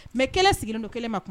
Mɛ kelen sigilen don kelen ma kuma